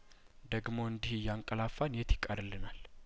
ደግሞ እንዲህ እያንቀላፋን የት ይቀርልናል